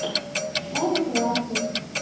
слава красный